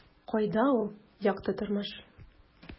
Кайда ул - якты тормыш? ..